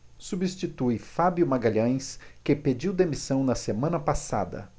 substitui fábio magalhães que pediu demissão na semana passada